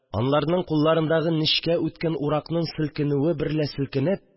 Анларның кулларындагы нечкә үткен уракның селкенүе берлә селкенеп